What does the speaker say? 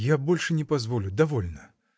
Я больше не позволю, довольно!